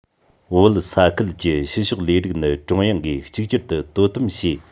བོད ས ཁུལ གྱི ཕྱི ཕྱོགས ལས རིགས ནི ཀྲུང དབྱང གིས གཅིག གྱུར དུ དོ དམ བྱེད